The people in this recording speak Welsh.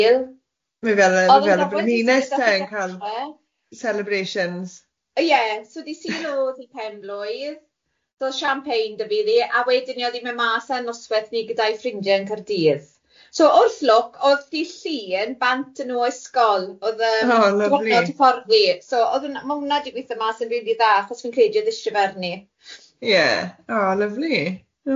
Mae'n fela ma'n fela bod y frenhines te yn cael celebrations... ie so oedd hi'n Sul oedd hi'n pen-blwydd so oedd champagne dybyddi a wedyn oedd hi'n mynd mas ar noswaith ni gyda'i ffrindiau yn Cardydd so wrth lwc oedd hi llun bant yn ôl ysgol, oedd yym... O lyfli. ...oedd hi'n ffordd fi so oedd yn ma' hwnna'n digwydd yma sy'n rili dda achos fi'n credu oedd isie fe arni ie... O lyfli o. ...ie.